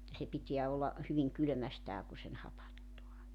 että se pitää olla hyvin kylmästään kun sen hapattaa